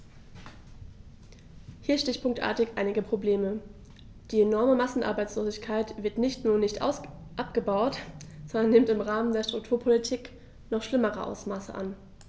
Hier stichpunktartig einige Probleme: Die enorme Massenarbeitslosigkeit wird nicht nur nicht abgebaut, sondern nimmt im Rahmen der Strukturpolitik noch schlimmere Ausmaße an.